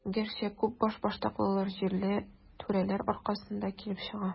Гәрчә, күп башбаштаклыклар җирле түрәләр аркасында килеп чыга.